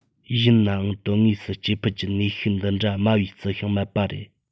ཡིན ནའང དོན དངོས སུ སྐྱེ འཕེལ གྱི ནུས ཤུགས འདི འདྲ དམའ བའི རྩི ཤིང ནི མེད པ རེད